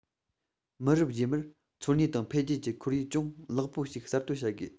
མི རབས རྗེས མར འཚོ གནས དང འཕེལ རྒྱས ཀྱི ཁོར ཡུག ཅུང ལེགས པོ ཞིག གསར གཏོད བྱ དགོས